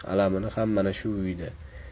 alamini ham mana shu uyda